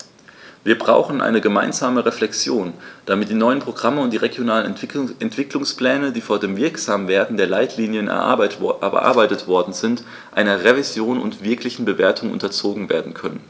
Wir brauchen eine gemeinsame Reflexion, damit die neuen Programme und die regionalen Entwicklungspläne, die vor dem Wirksamwerden der Leitlinien erarbeitet worden sind, einer Revision und wirklichen Bewertung unterzogen werden können.